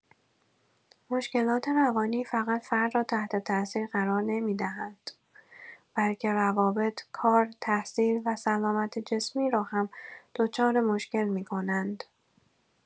مشکلات روانی فقط فرد را تحت‌تأثیر قرار نمی‌دهند بلکه روابط، کار، تحصیل و سلامت جسمی را هم دچار مشکل می‌کنند.